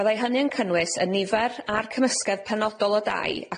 Byddai hynny yn cynnwys y nifer a'r cymysgedd penodol o dai